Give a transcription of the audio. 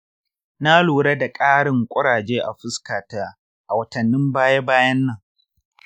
na lura da ƙarin kuraje a fuskata a watannin baya-bayan nan.